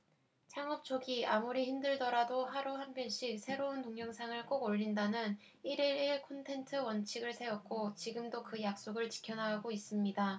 창업 초기 아무리 힘들더라도 하루 한 편씩 새로운 동영상을 꼭 올린다는 일 일 일 콘텐트 원칙을 세웠고 지금도 그 약속을 지켜나가고 있습니다